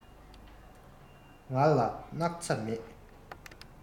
ང ལ སྣག ཚ མེད